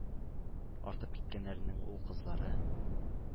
Артып киткәннәренең ул-кызлары